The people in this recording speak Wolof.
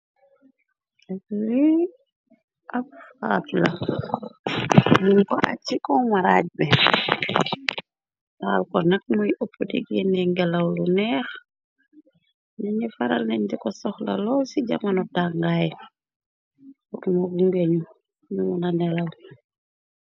Ri abfaatla mum ko ac ci ko maraaj be taal ko nak muy ëpp digenne ngelaw lu neex ñañi faral neñti ko soxla lool ci jamono tàngaay rmu u ngeñu mumu na nelaw.